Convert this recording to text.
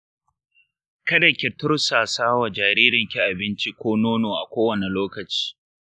kada ki tursasa wa jaririnki abinci ko nono a kowane lokaci